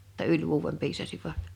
jotta yli vuoden piisasivat